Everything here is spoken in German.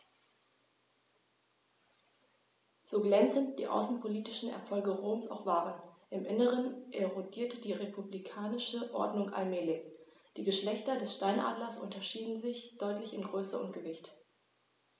So glänzend die außenpolitischen Erfolge Roms auch waren: Im Inneren erodierte die republikanische Ordnung allmählich. Die Geschlechter des Steinadlers unterscheiden sich deutlich in Größe und Gewicht.